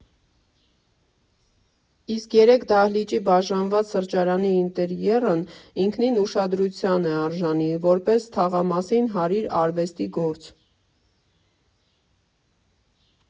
Իսկ երեք դահլիճի բաժանված սրճարանի ինտերիերն ինքնին ուշադրության է արժանի՝ որպես թաղամասին հարիր արվեստի գործ։